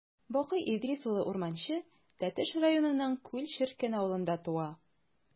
Бакый Идрис улы Урманче Тәтеш районының Күл черкен авылында туа.